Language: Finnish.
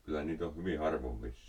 kyllä niitä on hyvin harvoin vissiin